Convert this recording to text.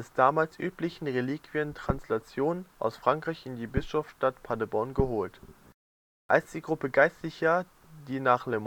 damals üblichen Reliquientranslationen aus Frankreich in die Bischofsstadt Paderborn geholt. Als die Gruppe Geistlicher, die nach Le